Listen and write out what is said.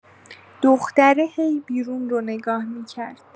دختره هی بیرون رو نگاه می‌کرد.